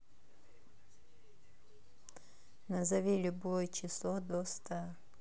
назови любое число до ста